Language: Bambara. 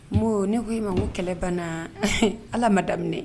Bon ne ko e ma ko kɛlɛbana ala ma daminɛ